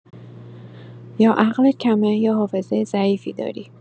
یا عقلت کمه یا حافظه ضعیفی داری!